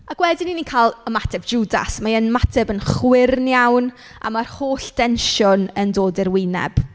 Ac wedyn y' ni'n cael ymateb Jwdas. Mae e'n ymateb yn chwyrn iawn a ma'r holl densiwn yn dod i'r wyneb.